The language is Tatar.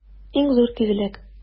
Иң зур тизлек!